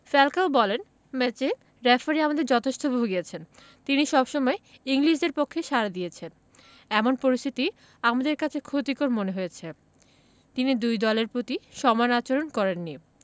Falcao বলেন ম্যাচে referee আমাদের যথেষ্ট ভুগিয়েছেন তিনি সবসময় ইংলিশদের পক্ষে সাড়া দিয়েছেন এমন পরিস্থিতি আমাদের কাছে ক্ষতিকর মনে হয়েছে তিনি দুই দলের প্রতি সমান আচরণ করেননি